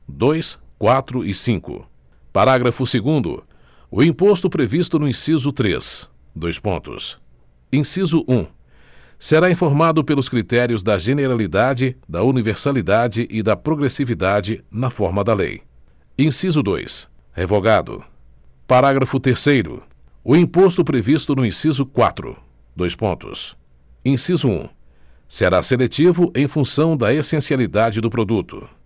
dois quatro e cinco parágrafo segundo o imposto previsto no inciso três dois pontos inciso um será informado pelos critérios da generalidade da universalidade e da progressividade na forma da lei inciso dois revogado parágrafo terceiro o imposto previsto no inciso quatro dois pontos inciso um será seletivo em função da essencialidade do produto